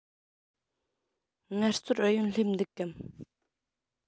ངལ རྩོལ ཨུ ཡོན སླེབས འདུག གམ